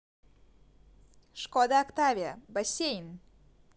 skoda octavia бассейн